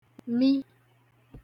mi